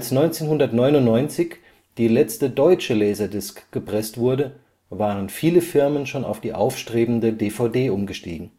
1999 die letzte deutsche Laserdisc gepresst wurde, waren viele Firmen schon auf die aufstrebende DVD umgestiegen